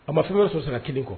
A ma fɛn bɛ sɔ sara kelen kɔ